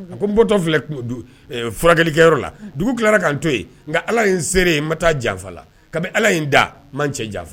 A ko n bɔtɔ filɛ furakɛlikɛyɔrɔ la dugu tilara ka to yen nka ala n seere n ma taa janfa la kabi ala in da man cɛ janfa